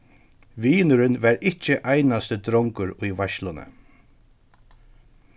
vinurin var ikki einasti drongur í veitsluni